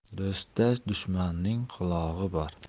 do'stda dushmanning qulog'i bor